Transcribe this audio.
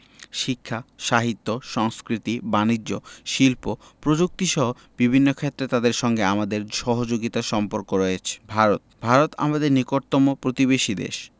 শিক্ষা সাহিত্য সংস্কৃতি বানিজ্য শিল্প প্রযুক্তিসহ বিভিন্ন ক্ষেত্রে তাদের সঙ্গে আমাদের সহযোগিতার সম্পর্ক আছে ভারত ভারত আমাদের নিকটতম প্রতিবেশী দেশ